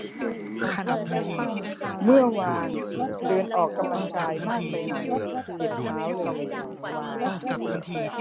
เมื่อวานเดินออกกำลังกายมากไปหน่อยเจ็บเท้าเลย